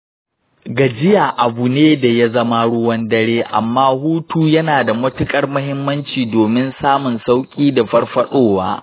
gajiya abu ne da ya zama ruwan dare amma hutu yana da matuƙar muhimmanci domin samun sauƙi da farfaɗowa.